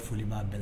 Foli b'a bɛɛ la